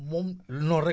moom noonu rekk